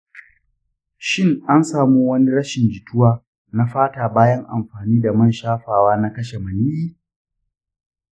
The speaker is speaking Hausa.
shin an samu wani rashin jituwa na fata bayan amfani da man shafawa na kashe maniyyi ?